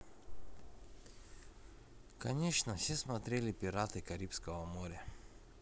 конечно все смотрели пираты карибского моря